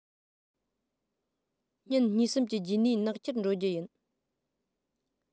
ཉིན གཉིས གསུམ གྱི རྗེས ནས ནག ཆུར འགྲོ རྒྱུ ཡིན